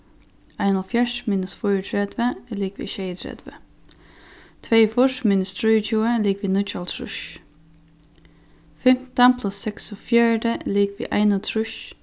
einoghálvfjerðs minus fýraogtretivu er ligvið sjeyogtretivu tveyogfýrs minus trýogtjúgu ligvið níggjuoghálvtrýss fimtan pluss seksogfjøruti er ligvið einogtrýss